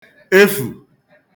efù